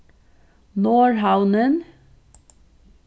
norðhavnin